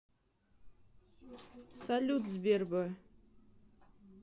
салют сбер б